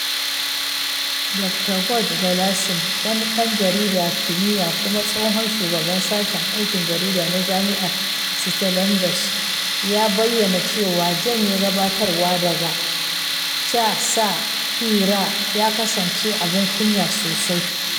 Dr. George Claassen, wani ɗan jaridar kimiyya kuma tsohon shugaban sashen aikin jarida na Jami’ar Stellenbosch, ya bayyana cewa janye gabatarwa daga CSIR ya kasance “abin kunya sosai.”